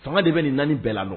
Fanga de bɛ nin naani bɛɛ la